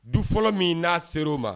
Du fɔlɔ min n'a ser'o ma